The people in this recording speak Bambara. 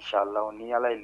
Ichallahu ni Ala ye